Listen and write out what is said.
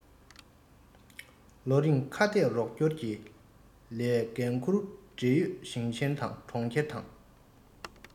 ལོ རིང ཁ གཏད རོགས སྐྱོར གྱི ལས འགན ཁུར མཁན འབྲེལ ཡོད ཞིང ཆེན དང གྲོང ཁྱེར དང